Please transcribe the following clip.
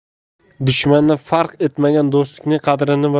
dushmanni farq etmagan do'stlik qadrini bilmas